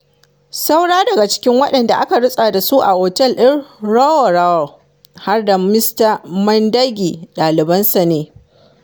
Saura daga cikin waɗanda aka rutsa da su a otel ɗin Roa Roa, har da Mista Mandagi, ɗalibansa ne.